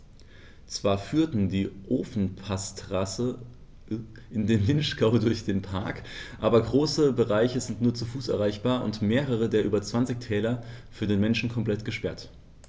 Zwar führt die Ofenpassstraße in den Vinschgau durch den Park, aber große Bereiche sind nur zu Fuß erreichbar und mehrere der über 20 Täler für den Menschen komplett gesperrt.